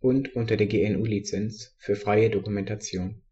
und unter der GNU Lizenz für freie Dokumentation